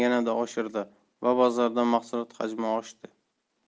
yanada oshirdi va bozorda mahsulot hajmi oshdi